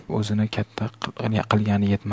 o'zini katta qilgani yetmasmidi